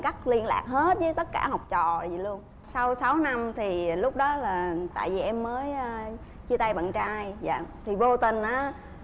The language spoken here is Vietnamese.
cắt liên lạc hết với tất cả học trò gì luôn sau sáu năm thì lúc đó là tại vì em mới a chia tay bạn trai dạ thì vô tình á